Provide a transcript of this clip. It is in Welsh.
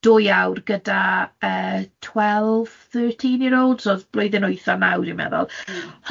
dwy awr gyda yy twelve thirteen-year-olds oedd blwyddyn wyth a naw dwi'n meddwl.